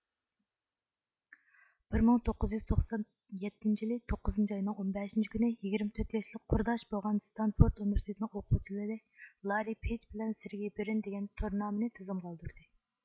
بىر مىڭ توققۇز يۈز توقسان يەتتىنچى يىلى توققىزىنچى ئاينىڭ ئون بەشىنچى كۈنى يىگىرمە تۆت ياشلىق قۇرداش بولغان ستانفورد ئۇنىۋېرسىتېتىنىڭ ئوقۇغۇچىلىرى لاررىي پېچ بىلەن سېرگېي برىن دېگەن تورنامىنى تىزىمغا ئالدۇردى